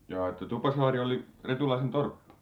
jaa että Tupasaari oli Retulaisen torppa